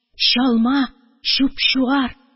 Чалма – чуп-чуар.